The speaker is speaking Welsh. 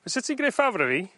Fysat ti'n gneu' fafr a fi?